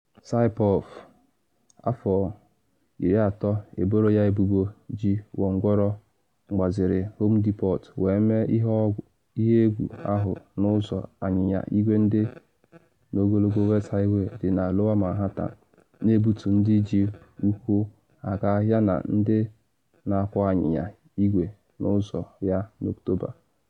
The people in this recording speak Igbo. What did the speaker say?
Saipov, 30, eboro ya ebubo ji gwongworo mgbaziri Home Depot wee mee ihe egwu ahụ n’ụzọ anyịnya igwe dị n’ogologo West Highway dị na Lower Manhattan, na ebetu ndị ji ụkwụ aga yana ndị na akwọ anyịnya igwe n’ụzọ ya na Ọkt.